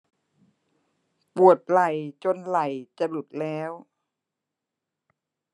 ปวดไหล่จนไหล่จะหลุดแล้ว